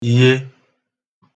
ye